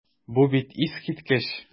Бу бит искиткеч!